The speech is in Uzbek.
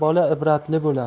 bola ibratli bo'lar